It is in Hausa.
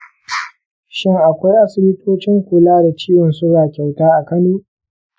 shin akwai asibitocin kula da ciwon suga kyauta a kano?